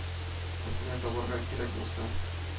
— ә сезне табарга кирәк булса